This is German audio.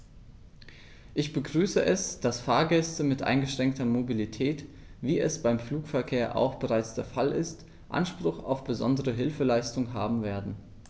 Ich begrüße es, dass Fahrgäste mit eingeschränkter Mobilität, wie es beim Flugverkehr auch bereits der Fall ist, Anspruch auf besondere Hilfeleistung haben werden.